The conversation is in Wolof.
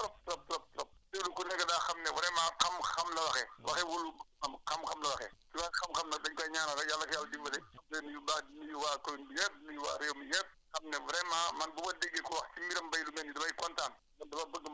jiw nag jiw du ay * ku soog a am da nga am solo lool waaye waa ji li mu wax am na sam na solo trop trop trop ku suivre ku nekk daa xam ne vraiment xam-xam la waxee waxxewul am xam-xam la waxee luy wax xam-xam nag dañ koy ñaanal rek yàlla na ko yàlla dimbale di leen nuyu bu baax di nuyu waa commune bi yëpp nuyu waa réew mi yëpp xam ne vraioment man bu ma déggee ku wax si mbiram béy lu mel nii damay kontaan man dama bëgg